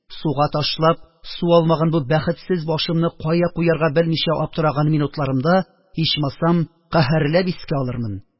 Суга ташлап су алмаган бу бәхетсез башымны кая куярга белмичә аптыраган минутларымда, ичмасам, каһәрләп искә алырмын.